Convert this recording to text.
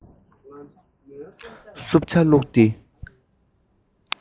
བསྲུབས ཇ བླུགས ཏེ